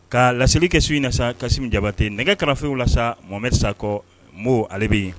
Ka laeli kɛ su in na sa kasi jabate nɛgɛ kanafew la sa momeri sa kɔ bon ale bɛ yen